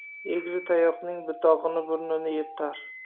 egri tayoqning butog'i burunni yirtar